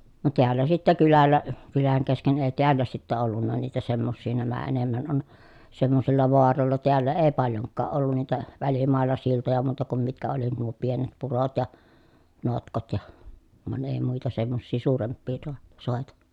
no täällä sitten kylällä kylän kesken ei täällä sitten ollut niitä semmoisia nämä enemmän on semmoisilla vaaroilla täällä ei paljonkaan ollut niitä välimailla siltoja muuta kuin mitkä oli nuo pienet purot ja notkot ja vaan ei muita semmoisia suurempia - soita